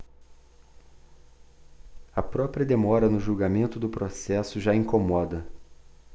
a própria demora no julgamento do processo já incomoda